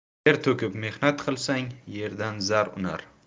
ter to'kib mehnat qilsang yerdan zar unar